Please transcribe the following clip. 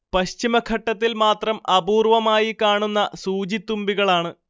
പശ്ചിമഘട്ടത്തിൽ മാത്രം അപൂർവ്വമായി കാണുന്ന സൂചിത്തുമ്പികളാണ്